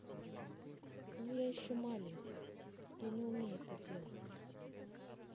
ну я еще маленькая я не умею это делать